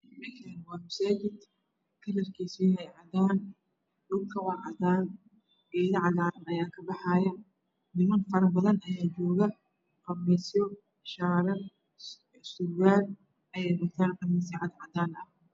Meshani waa masaajid kalarkisa u yahy cadaan dhulka waa cadaan geedo cagaran aya ka baxaya ninman faro badan aya joga khamisyo shaarar surwal ayey watan khamisyo cadaan ah